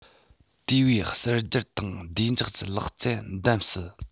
དེ བས གསར སྒྱུར དང བདེ འཇགས ཀྱི ལག རྩལ འདེམས སྲིད